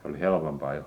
oli helpompaa jo